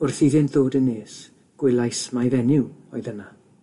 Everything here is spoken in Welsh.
Wrth iddynt ddod yn nes gwelais mai fenyw oedd yna.